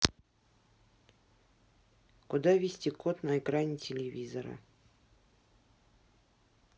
куда вести код на экране телевизора